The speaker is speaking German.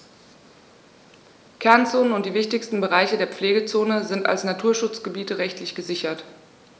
Kernzonen und die wichtigsten Bereiche der Pflegezone sind als Naturschutzgebiete rechtlich gesichert.